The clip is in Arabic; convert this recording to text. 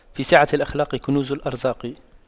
في سعة الأخلاق كنوز الأرزاق